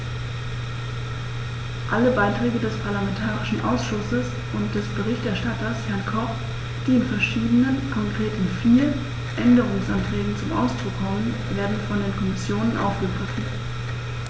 Alle Beiträge des parlamentarischen Ausschusses und des Berichterstatters, Herrn Koch, die in verschiedenen, konkret in vier, Änderungsanträgen zum Ausdruck kommen, werden von der Kommission aufgegriffen.